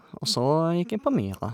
Og så gikk jeg på Myra.